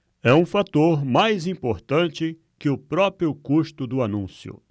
é um fator mais importante que o próprio custo do anúncio